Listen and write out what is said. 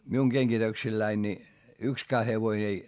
minun kengityksilläni niin yksikään hevonen ei ei ramminut